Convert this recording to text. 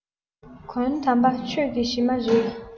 མགོན དམ པ ཆོས ཀྱི གཞི མ རེད